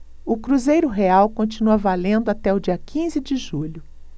o cruzeiro real continua valendo até o dia quinze de julho